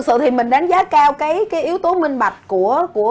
sự thì mình đánh giá cao cái cái yếu tố minh bạch của của